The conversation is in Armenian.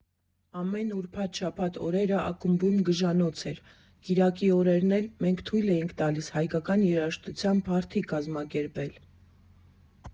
Ամեն ուրբաթ֊շաբաթ օրերը ակումբում գժանոց էր, կիրակի օրերն էլ մեզ թույլ էինք տալիս հայկական երաժշտության փարթի կազմակերպել։